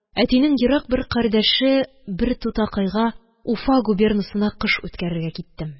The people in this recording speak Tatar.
Әтинең ерак бер кардәше бер тутакайга уфа губернасына кыш үткәрергә киттем...